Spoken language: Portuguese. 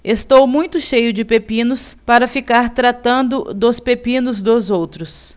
estou muito cheio de pepinos para ficar tratando dos pepinos dos outros